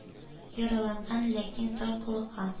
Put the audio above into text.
Яраланган, ләкин тар коллыкка